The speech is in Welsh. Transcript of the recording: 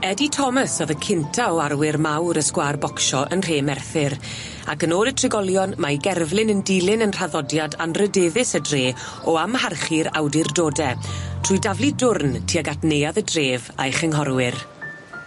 Eddie Thomas o'dd y cynta o arwyr mawr y sgwâr bocsio yn nhre Merthyr ac yn ôl y trigolion mae 'i gerflun yn dilyn yn nhraddodiad anrydeddus y dre o amharchu'r awdurdode trwy daflu dwrn tuag at neuadd y dref a'i chynghorwyr.